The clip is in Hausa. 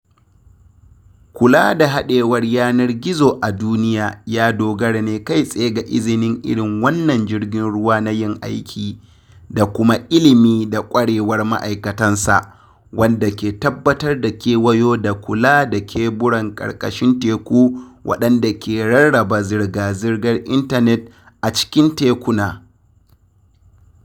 Kula da haɗewar yanar gizo a duniya ya dogara ne kai tsaye ga izinin irin wannan jirgin ruwa na yin aiki, da kuma ilimi da ƙwarewar ma’aikatansa, wanda ke tabbatar da kewayo da kula da keburan ƙarƙashin teku waɗanda ke rarraba zirga-zirgar intanet a cikin tekuna.